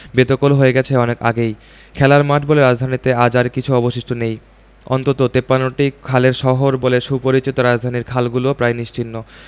বেদখল হয়ে গেছে অনেক আগেই খেলার মাঠ বলে রাজধানীতে আজ আর কিছু অবশিষ্ট নেই অন্তত ৫৩টি খালের শহর বলে সুপরিচিত রাজধানীর খালগুলোও প্রায় নিশ্চিহ্ন